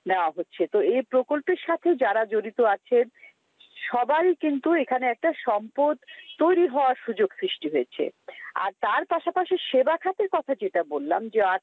নেয়া হচ্ছে তো এই প্রকল্পের সাথে যারা জড়িত আছে কিন্তু এখানে একটা সম্পদ তৈরি হওয়ার সুযোগ সৃষ্টি হয়েছে আর তার পাশাপাশি সেবা খাতের কথা যেটা বললাম যে